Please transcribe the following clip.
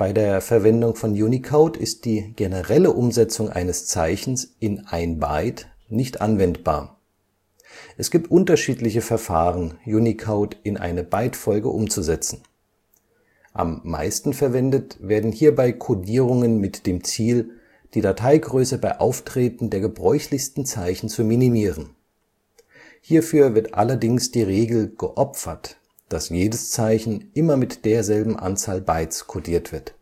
der Verwendung von Unicode ist die generelle Umsetzung eines Zeichens in ein Byte nicht anwendbar. Es gibt unterschiedliche Verfahren, Unicode in eine Bytefolge umzusetzen. Am meisten verwendet werden hierbei Codierungen mit dem Ziel, die Dateigröße bei Auftreten der gebräuchlichsten Zeichen zu minimieren. Hierfür wird allerdings die Regel „ geopfert “, dass jedes Zeichen immer mit derselben Anzahl Bytes codiert wird